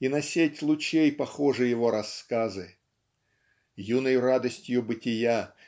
и на сеть лучей похожи его рассказы. Юной радостью бытия